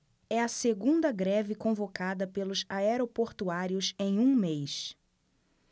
é a segunda greve convocada pelos aeroportuários em um mês